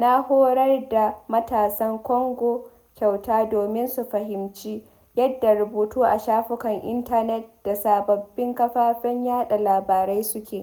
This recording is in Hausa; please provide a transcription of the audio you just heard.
na horar da matasan Congo kyauta domin su fahimci yadda rubutu a shafukan intanet da sababbin kafafen yaɗa labarai suke.